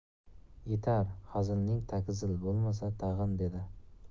yetar hazilning tagi zil bo'lmasin tag'in dedi